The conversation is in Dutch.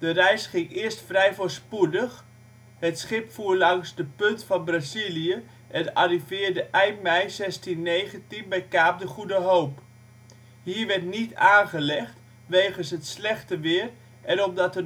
reis ging eerst vrij voorspoedig: het schip voer langs de punt van Brazilië, en arriveerde eind mei 1619 bij Kaap de Goede Hoop. Hier werd niet aangelegd, wegens het slechte weer en omdat